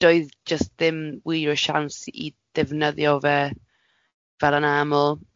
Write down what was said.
Doedd jyst ddim wir y siawns i ddefnyddio fe fel yn aml.